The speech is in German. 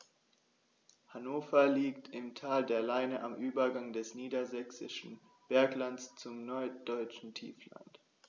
Hannover liegt im Tal der Leine am Übergang des Niedersächsischen Berglands zum Norddeutschen Tiefland.